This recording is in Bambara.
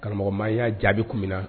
Karamɔgɔma y'a jaabi kun minna na